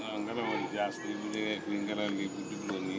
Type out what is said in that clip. waaw ngelaw li jaas bi ñu ne li ngelaw li bu juddoo nii